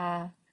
a